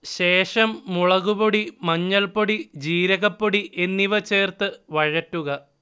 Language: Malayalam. ശേഷം മുളകുപ്പൊടി, മഞ്ഞൾപ്പൊടി, ജീരകപ്പൊടി എന്നിവ ചേർത്ത് വഴറ്റുക